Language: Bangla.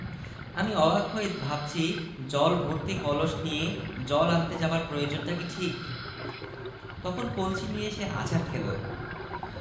দর্শক মহলে তুমুল আনন্দ ও উত্তেজনা ওয়ান মুর ওয়ান মোর ধ্বনি অনুষ্ঠান শেষে আমি ভিজা প্যান্ট নিয়ে বাসে উঠলাম